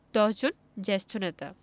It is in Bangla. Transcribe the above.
১০ জন জ্যেষ্ঠ নেতা